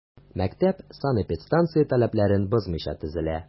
Мәктәп санэпидстанция таләпләрен бозмыйча төзелә.